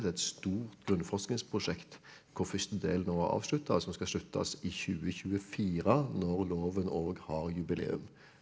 det er et stort grunnforskningsprosjekt hvor første delen nå er avslutta som skal sluttes i 2024 når loven òg har jubileum.